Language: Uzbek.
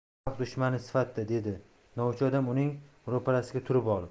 xalq dushmani sifatida dedi novcha odam uning ro'parasiga turib olib